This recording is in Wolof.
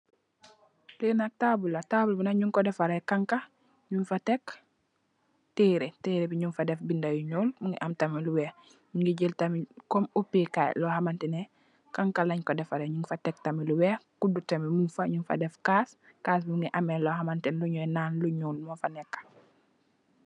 Li nak tabull la tabull bi ñing ko defaree xanxa ñing fa tég teré, teré bi ñing fa dèf bindé yu ñuul mugii am tamit lu wèèx. Mugii jél tamit kom opey kai lo xam man tè neh xanxa lèèn ko defaree ñing ko dèf tamid yu wèèx. Kuddu tamit mung fa ñing fa def kas, kas mugii ameh loxamanteh lu ñoy nan lu ñuul mo fa nekka.